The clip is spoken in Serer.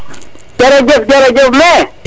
jerjef jerejef me